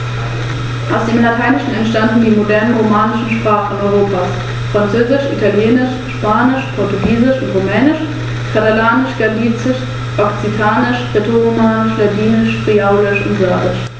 Im Biosphärenreservat Rhön wird versucht, die ohnehin schon starke regionale Identifikation der Bevölkerung gezielt für ein Regionalmarketing zu nutzen und regionaltypische Nutzungsformen und Produkte zu fördern.